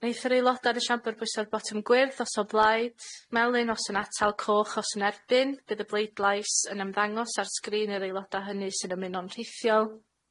Neith yr aeloda' yn y siambr bwyso'r botwm gwyrdd os o blaid, melyn os yn atal, coch os yn erbyn. Bydd y bleidlais yn ymddangos ar sgrin yr aeloda' hynny sy'n ymuno'n rhithiol.